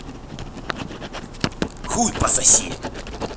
хуй пососи